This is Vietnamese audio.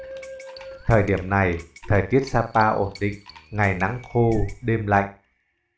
thời điểm này thời tiết sapa ổn định ngày nắng khô đêm lạnh